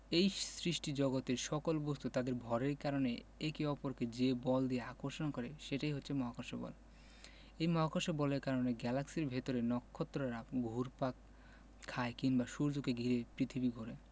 এই সৃষ্টিজগতের সকল বস্তু তাদের ভরের কারণে একে অপরকে যে বল দিয়ে আকর্ষণ করে সেটাই হচ্ছে মহাকর্ষ বল এই মহাকর্ষ বলের কারণে গ্যালাক্সির ভেতরে নক্ষত্ররা ঘুরপাক খায় কিংবা সূর্যকে ঘিরে পৃথিবী ঘোরে